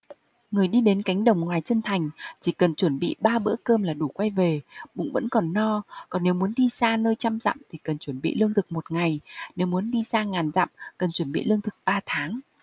người đi đến cánh đồng ngoài chân thành chỉ cần chuẩn bị ba bữa cơm là đủ quay về bụng vẫn còn no còn nếu muốn đi xa nơi trăm dặm thì cần chuẩn bị lương thực một ngày nếu muốn đi xa ngàn dặm cần chuẩn bị lương thực ba tháng